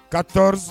Ka tɔɔrɔ